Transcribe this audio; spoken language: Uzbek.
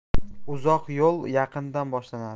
uzoq yo'l yaqindan boshlanadi